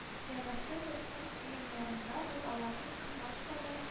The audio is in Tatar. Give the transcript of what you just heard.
Янәсе, төркем уеннарында без аларны ике матчта да